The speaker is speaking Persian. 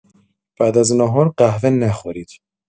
بعد از نهار قهوه نخورید.